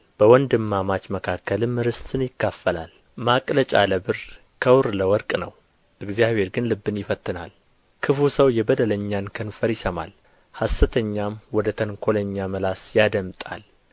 በወንድማማች መካከልም ርስትን ይካፈላል ማቅለጫ ለብር ከውር ለወርቅ ነው እግዚአብሔር ግን ልብን ይፈትናል ክፉ ሰው የበደለኛን ከንፈር ይሰማል ሐሰተኛም ወደ ተንኰለኛ ምላስ ያደምጣል